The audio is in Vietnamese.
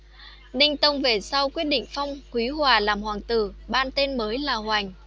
ninh tông về sau quyết định phong quý hòa làm hoàng tử ban tên mới là hoành